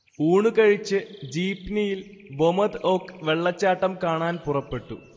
ഊണ് കഴിച്ച് ജീപ്നിയിൽ ബൊമൊദ്-ഒക് വെള്ളച്ചാട്ടം കാണാൻ പുറപ്പെട്ടു